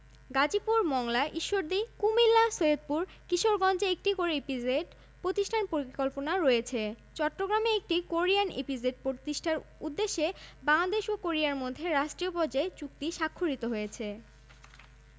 শক্তির উৎসঃ কাঠ খড়ি বা লাকড়ি প্রাকৃতিক গ্যাস পেট্রোলিয়াম কয়লা জলবিদ্যুৎ সৌরশক্তি বায়োগ্যাস ইত্যাদি ব্যাংক ও আর্থিক প্রতিষ্ঠান